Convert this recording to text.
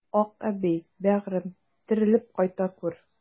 Акъәби, бәгырем, терелеп кайта күр!